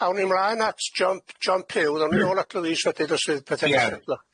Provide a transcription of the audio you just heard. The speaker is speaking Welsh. Awn ni mlaen at John John Pyw, ddawn ni nôl at Louise wedyn os fydd pethe'n iawn.